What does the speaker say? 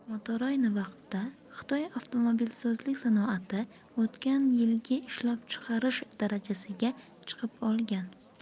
motorayni vaqtda xitoy avtomobilsozlik sanoati o'tgan yilgi ishlab chiqarish darajasiga chiqib olgan